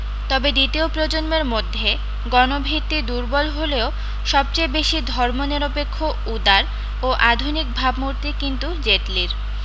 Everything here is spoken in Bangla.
তবে দ্বিতীয় প্রজন্মের মধ্যে গণভিত্তি দুর্বল হলেও সব চেয়ে বেশী ধর্মনিরপেক্ষ উদার ও আধুনিক ভাবমূর্তি কিন্তু জেটলির